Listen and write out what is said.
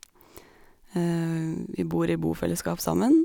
Vi bor i bofellesskap sammen.